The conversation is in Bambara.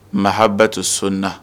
Mahaba to so na